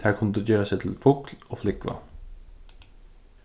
tær kundu gera seg til fugl og flúgva